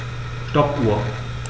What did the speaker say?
Stoppuhr.